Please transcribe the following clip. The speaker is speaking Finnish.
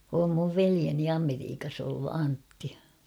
on minun veljeni Amerikassa ollut Antti